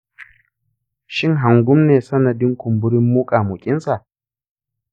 shin hangum ne sanadin kumburin muƙamuƙinsa?